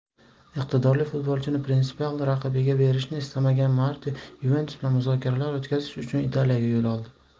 iqtidorli futbolchini prinsipial raqibiga berishni istamagan marti yuventus bilan muzokaralar o'tkazish uchun italiyaga yo'l oldi